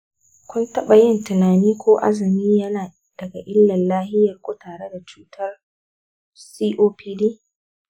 kun taɓa yin tunani ko azumi yana da illa ga lafiyarku tare da cutar copd?